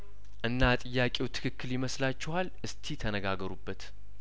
እና ጥያቄው ትክክል ይመስ ላችኋል እስቲ ተነጋገሩበት